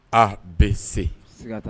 A B C . Siga t'a